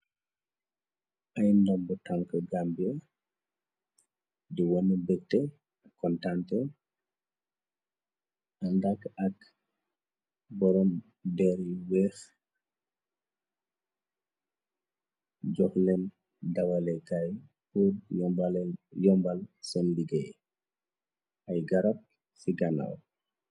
Ay ndamb tank gambia di wone begteel ak contante àndak ak bhorom dery weex joxleen dawalekaay puur yombal sen liggéey ay garab ci ganaw.